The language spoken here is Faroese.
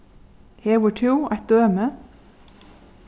hevur tú eitt dømi